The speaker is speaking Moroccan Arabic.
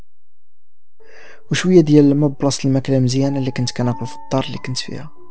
وشو يدي الله يسلمك رمزي انا اللي كنا في الدار اللي كنت فيها